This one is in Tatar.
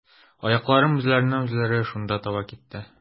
Аякларым үзләреннән-үзләре шунда таба китте.